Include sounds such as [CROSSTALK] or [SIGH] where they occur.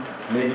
[HESITATION] [HESITATION]